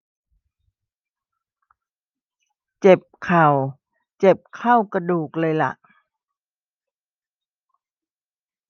เจ็บเข่าเจ็บเข้ากระดูกเลยหล่ะ